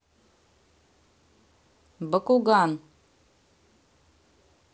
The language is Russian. бакуган